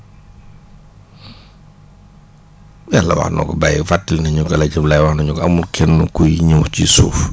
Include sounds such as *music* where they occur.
*breath* yàlla wax na ko Baye fàttali nañu El Hadj Abdalah wax nañu amul kenn kuy ñ¨w ci suuf